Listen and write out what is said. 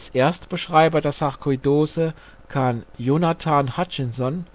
Erstbeschreiber der Sarkoidose kann Jonathan Hutchinson